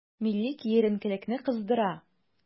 Милли киеренкелекне кыздыра.